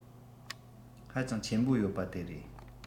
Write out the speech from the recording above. ཧ ཅང ཆེན པོ ཡོད པ དེ རེད